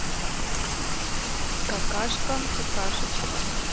какашка какашечка